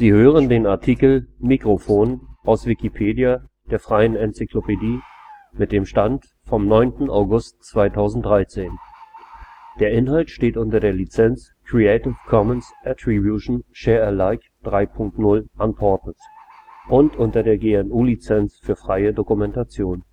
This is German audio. hören den Artikel Mikrofon, aus Wikipedia, der freien Enzyklopädie. Mit dem Stand vom Der Inhalt steht unter der Lizenz Creative Commons Attribution Share Alike 3 Punkt 0 Unported und unter der GNU Lizenz für freie Dokumentation